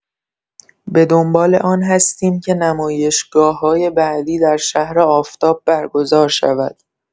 به دنبال آن هستیم که نمایشگاه‌های بعدی در شهر آفتاب برگزار شود.